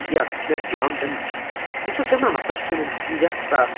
Ia, ne- dwi, ond, yym, wythnos yma ma'r cwestiwn yn s- i ddechrau...